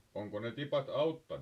onko ne tipat auttanut